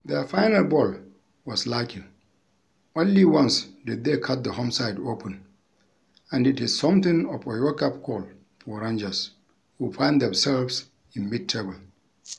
Their final ball was lacking - only once did they cut the home side open - and it is something of a wake-up call for Rangers, who find themselves in mid-table.